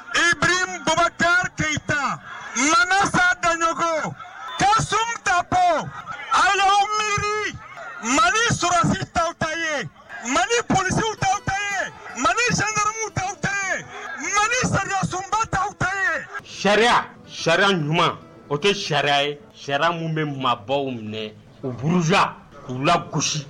I bɛ npogo keyita ta mama satajkɔ ka sun ta ali mi mali ssi tɔw ta ye mali psi dɔw tɛ mali sakamu dɔw tɛ mali sa sunba taye sariya sariya ɲuman o kɛ sariya ye sariya minnu bɛ mabɔbaww minɛ u buruz k'u la gosi